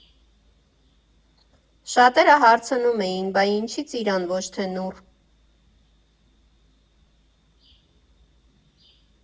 Շատերը հարցնում էին՝ բա ինչի՞ ծիրան, ոչ թե նուռ։